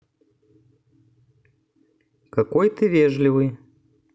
какой ты вежливый